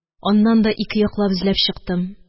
Аннан да ике яклап эзләп чыктым.